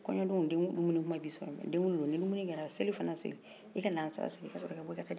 ni dumuni kɛra selifana seli i ka layansara seli ka sɔrɔ ka bɔ i ka taa den kunli yɔrɔ la i jatigi ka so